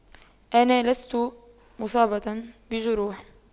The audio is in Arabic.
أنا لست مصابة بجروح